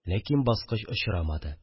Ләкин баскыч очрамады